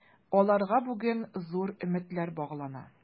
Аларга бүген зур өметләр баглана.